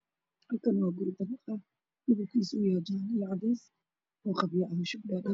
Halkaan waa guri dabaq ah oo jaale iyo cadeys ah, oo qabyo ah, oo biro shaba kataagan.